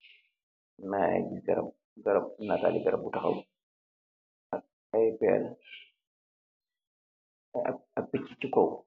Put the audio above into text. Mage giss gaarab natali garab bu tahaw ak aye pel ak pecha se kaw.